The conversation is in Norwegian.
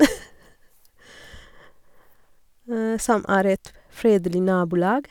Som er et fredelig nabolag.